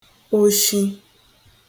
oshi